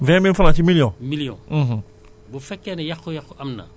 boo jëlee million vingt mille franc nga ñuy fay